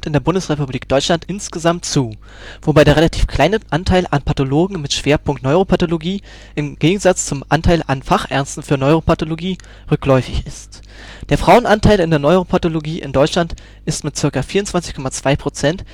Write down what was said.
der Bundesrepublik Deutschland insgesamt zu, wobei der relativ kleine Anteil an Pathologen mit Schwerpunkt Neuropathologie im Gegensatz zum Anteil an Fachärzten für Neuropathologie rückläufig ist. Der Frauenanteil in der Neuropathologie in Deutschland ist mit ca. 24,2 %